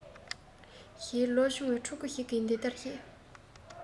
ཞེས ལོ ཆུང བའི ཕྲུ གུ ཞིག གི འདི ལྟར གཤས